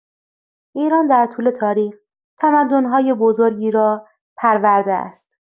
ایران در طول تاریخ تمدن‌های بزرگی را پرورده است.